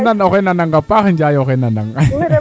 xana oxey nanang a paax waay Ndiaye oxey nanang